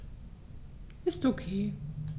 Ist OK.